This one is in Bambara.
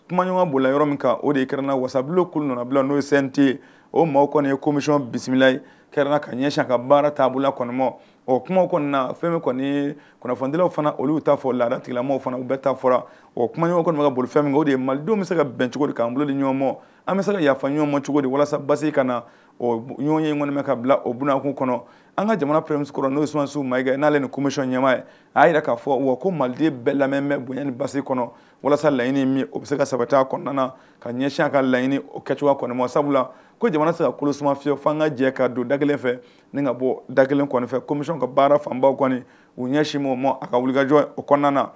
Kuma ɲɔgɔnɔn bolola yɔrɔ min o de ye kɛrarɛn na walasasabilen nana n'o ye sente o maa kɔni ye komiy bisimila ye kɛrɛn na ka ɲɛsinyan ka baara taabolola kɔnɔma ɔ kuma na fɛn kɔni kunnafonidilaw fana olu ta fɔ o la tigilama fana u bɛ taa fɔra o kumaɲɔgɔn kɔnɔ' ka bolo fɛn min o de ye malidenw bɛ se ka bɛn cogo di ka bolo ni ɲɔgɔnma an bɛ se yafafa ɲɔgɔnma cogodi walasa basisi ka na o ɲɔn ye kɔnimɛ ka bila o bkun kɔnɔ an ka jamana premusosi kɔnɔ n'o smansiw makɛ n'ale ninmiy ɲɛmaa ye a y'a jira k'a fɔ wa ko maliden bɛ lamɛn bɛ bonya ni basi kɔnɔ walasa laɲini min o bɛ se ka saba kɔnɔna na ka ɲɛsin ka laɲiniini o kɛ cogoya kɔnɔma sabula ko jamana sera kolosima fiye fo an ka jɛ ka don da kelen fɛ ni ka bɔ da kelen kɔmimi ka baara fanbaw kɔni u ɲɛsin ma o ma a ka wulikajɔ o kɔnɔna na